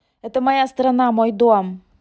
это моя страна это мой дом